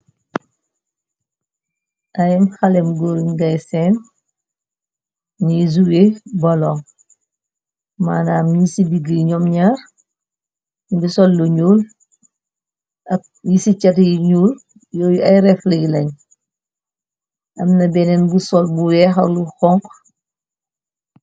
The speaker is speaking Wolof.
Ayam xalem gori ngay seen, ni zouwe bolon, maanaam yi ci biggi ñoom ñaar, gu sol lu ñuul, ak yi ci cati ñuul yooyu ay reefleyi lañ, amna benneen bu sol bu wee, xawlu konk.